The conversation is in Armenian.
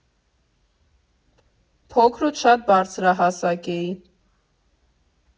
Փոքրուց շատ բարձրահասակ էի.